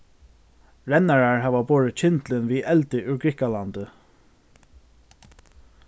rennarar hava borið kyndilin við eldi úr grikkalandi